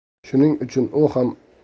shuning uchun u